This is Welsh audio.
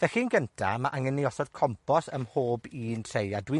Felly yn gynta, ma' angen i ni osod compos ym mhob un tray, a dwi'n